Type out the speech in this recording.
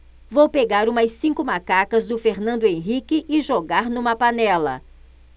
vou pegar umas cinco macacas do fernando henrique e jogar numa panela